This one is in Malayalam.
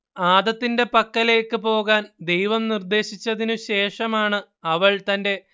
ആദത്തിന്റെ പക്കലേയ്ക്കു പോകാൻ ദൈവം നിർദ്ദേശിച്ചതിനു ശേഷമാണ് അവൾ തന്റെ